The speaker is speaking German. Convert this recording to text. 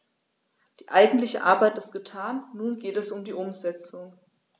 Die eigentliche Arbeit ist getan, nun geht es um die Umsetzung.